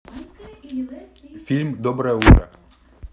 фильм доброе утро